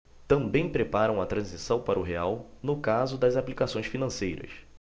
também preparam a transição para o real no caso das aplicações financeiras